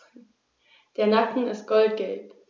Der Nacken ist goldgelb.